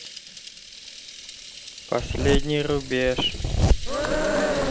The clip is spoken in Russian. последний рубеж